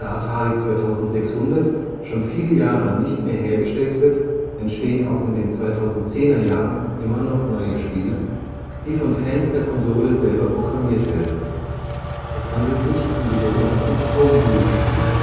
Atari 2600 schon viele Jahre nicht mehr hergestellt wird, entstehen auch in den 2010er Jahren immer noch neue Spiele, die von Fans der Konsole selber programmiert werden. Es handelt sich um die sogenannten „ Homebrew “- Spiele